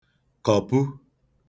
kọ̀pu